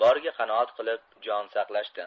boriga qanoat qilib jon saqlashdi